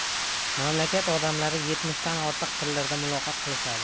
mamlakat odamlari yetmishdan ortiq tillarda muloqot qilishadi